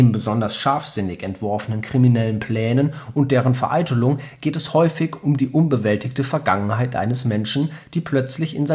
besonders scharfsinnig entworfenen kriminellen Plänen und deren Vereitelung geht es häufig um die unbewältigte Vergangenheit eines Menschen, die plötzlich in